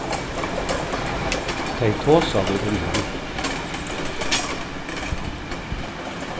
tey tosaðu um hann